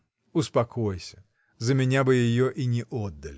Успокойся, за меня бы ее и не отдали!